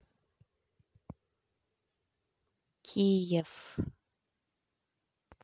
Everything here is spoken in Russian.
киев